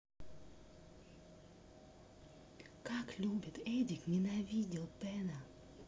как любит эдик ненавидел пена